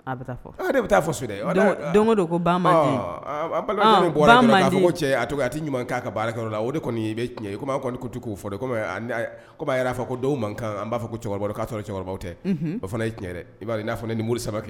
A bɛ taa fɔ. A ne bi taa fɔ feere koa cɛ a to a tɛ ɲuman k'a ka baara la o de kɔni bɛ tiɲɛa kɔnitigiw' kɔmi'a fɔ ko man kan an b'a fɔ ko cɛkɔrɔba k'a sɔrɔ cɛkɔrɔba tɛ o fana i cɛn b'a n'a niuru sababa